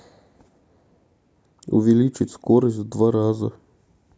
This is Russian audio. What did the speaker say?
увеличить скорость в два раза